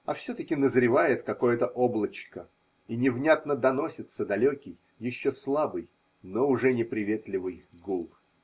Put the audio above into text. А все-таки назревает какое-то облачко и невнятно доносится далекий, еще слабый, но уже неприветливый гул.